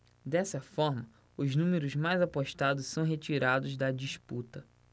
dessa forma os números mais apostados são retirados da disputa